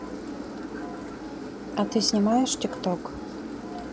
а ты снимаешь тик ток